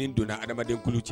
Nin donna hadamaden kulu cɛ